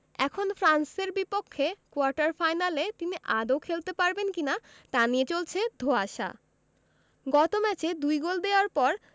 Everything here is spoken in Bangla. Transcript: এখন ফ্রান্সের বিপক্ষে কোয়ার্টার ফাইনালে তিনি আদৌ খেলতে পারবেন কি না তা নিয়ে চলছে ধোঁয়াশা গত ম্যাচে দুই গোল দেওয়ার পর